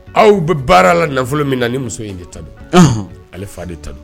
Aw bɛ baara la nafolo min na nin muso in de ta don, unhun, ale fa de ta don